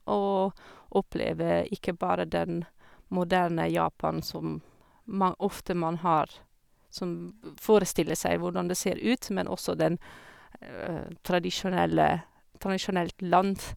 Og oppleve ikke bare den moderne Japan som mang ofte man har som forestille seg hvordan det ser ut, men også den tradisjonelle tradisjonelt land.